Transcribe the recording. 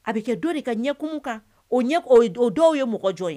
A bɛ kɛ dɔ de ka ɲɛkumun kan o dɔw ye mɔgɔ jɔn ye?